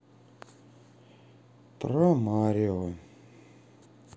про марио